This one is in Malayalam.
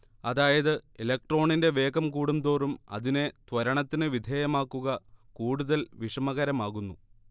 അതായത് ഇലക്ട്രോണിന്റെ വേഗം കൂടുതോറും അതിനെ ത്വരണത്തിന് വിധേയമാക്കുക കൂടുതൽ വിഷമകരമാകുന്നു